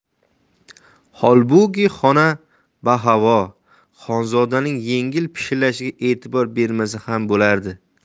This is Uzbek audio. holbuki xona bahavo xonzodaning yengil pishillashiga e'tibor bermasa ham bo'lardi